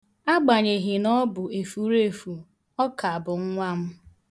Agbanyeghi na ọ bụ efuruefu, ọ ka bụ nwa m.